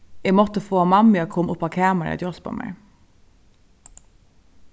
eg mátti fáa mammu at koma upp á kamarið at hjálpa mær